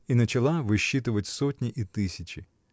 — И начала высчитывать сотни и тысячи.